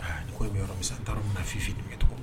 Aa ni ko in bɛ yɔrɔ min sisan n t'a dɔn n bɛ na a f'u ye focogo